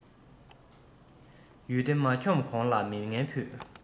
ཡུལ སྡེ མ འཁྱོམས གོང ལ མི ངན ཕུད